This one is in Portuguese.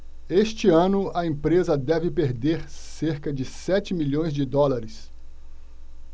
este ano a empresa deve perder cerca de sete milhões de dólares